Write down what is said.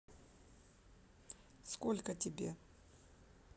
сколько тебе